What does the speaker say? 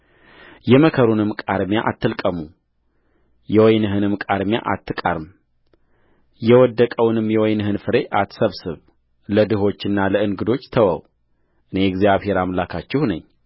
የመከሩንም ቃርሚያ አትልቀሙየወይንህንም ቃርሚያ አትቃርም የወደቀውንም የወይንህን ፍሬ አትሰብስብ ለድሆችና ለእንግዶች ተወው እኔ እግዚአብሔር አምላካችሁ ነኝ